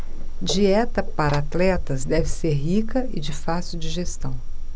dieta para atletas deve ser rica e de fácil digestão